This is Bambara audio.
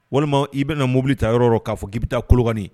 Walima i bɛna na mobili ta yɔrɔ k'a fɔ k'i taa kolokan